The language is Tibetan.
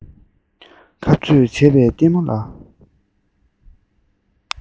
ཁ རྩོད བྱེད པའི ལྟད མོ ལ